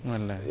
wallahi